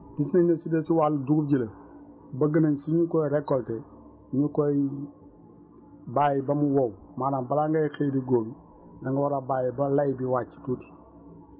gis nañ ne su dee si wàllu dugub ji la bëgg nañ su ñu koy récolter ñu koy bàyyi ba mu wow maanaam balaa ngay xëy di góobi danga war a bàyyi ba lay bi wàcc tuuti